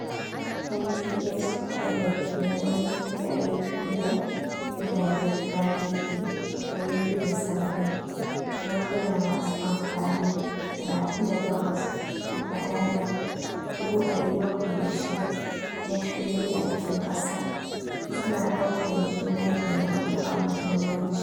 NTS, waɗanda ke da nauyin kiyaye fiye da gidanjen tarii 270, lambuna masu amfani 38 da kadada 76,000 na fili a cikin kasar, su na daukan jemage da matukan mahimmanci.